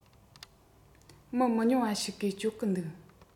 མི མི ཉུང བ ཞིག གིས སྤྱོད གི འདུག